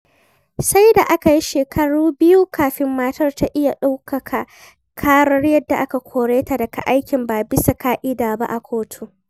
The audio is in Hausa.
Sai da aka yi shekaru biyu kafin matar ta iya ɗaukaka ƙarar yadda aka kore ta daga aiki ba bisa ƙa'ida ba a kotu.